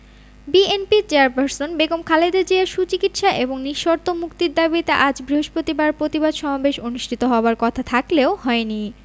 BNP chairperson Begum Khaleda জিয়ার সুচিকিৎসা এবং নিঃশর্ত মুক্তির দাবিতে আজ বৃহস্পতিবার প্রতিবাদ সমাবেশ অনুষ্ঠিত হবার কথা থাকলেও হয়নি